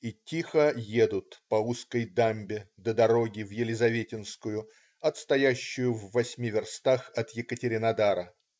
И тихо едут по узкой дамбе до дороги в Елизаветинскую, отстоящую в восьми верстах от Екатеринодара.